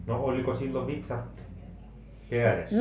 no oliko silloin vitsat kädessä